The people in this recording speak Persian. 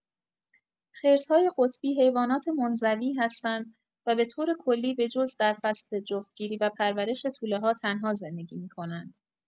خرس‌های قطبی حیوانات منزوی هستند و به‌طور کلی به‌جز در فصل جفت‌گیری و پرورش توله‌ها تنها زندگی می‌کنند.